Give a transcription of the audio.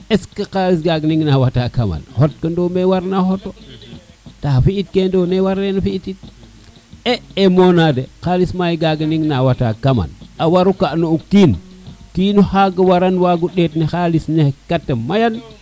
est ce que xalis gaga nen nga wata kama ne xat kano me war na xoto ta fi it kel ne ne warena fi it e moda de xalis kaga nan wata kama ne a waro ga no kiin kino xaga waran wago ɗet xalis ne kata mayan